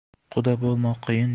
quda bo'lmoq qiyin